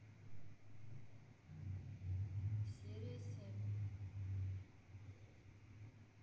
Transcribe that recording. серия семь